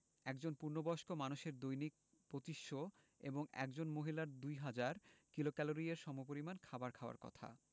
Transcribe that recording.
একজন পূর্ণবয়স্ক মানুষের দৈনিক ২৫০০ এবং একজন মহিলার ২০০০ কিলোক্যালরি এর সমপরিমান খাবার খাওয়ার কথা